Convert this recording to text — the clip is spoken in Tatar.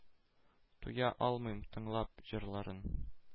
Туя алмыйм тыңлап җырларын,